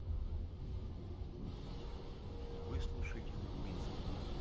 выслушайте нурминского